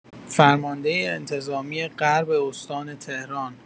فرمانده انتظامی غرب استان تهران